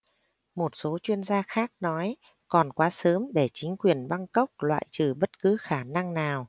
một số chuyên gia khác nói còn quá sớm để chính quyền bangkok loại trừ bất cứ khả năng nào